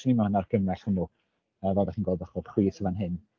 'swn i'm yn argymell hwnnw yy fel dach chi'n gweld ochr chwith yn fan hyn.